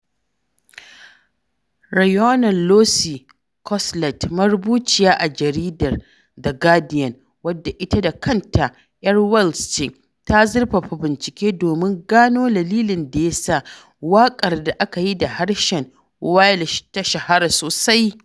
Rhiannon Lucy Cosslett, marubuciya a jaridar The Guardian wadda ita ma kanta ƴar Wales ce, ta zurfafa bincike domin gano dalilin da ya sa waƙar da aka yi da harshen Welsh ta shahara sosai.